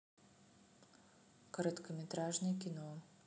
короткометражное кино